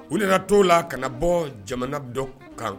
U nana na t' la ka na bɔ jamana dɔn kan